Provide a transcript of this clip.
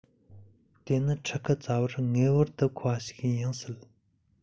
དེ ནི ཕྲུ གུ བཙའ བར ངེས པར དུ མཁོ བ ཞིག ཡིན ཡང སྲིད